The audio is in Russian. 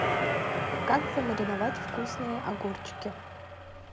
как замариновать вкусные огурчики